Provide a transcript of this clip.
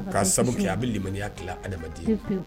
K'a sanu kɛ a bɛ maniya ki adama di